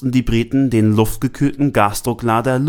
die Briten den luftgekühlten Gasdrucklader